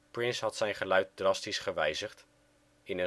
Prince had zijn geluid drastisch gewijzigd in